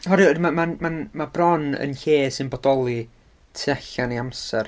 Herwydd ma'n ma'n ma'n bron yn lle sy'n bodoli tu allan i amser.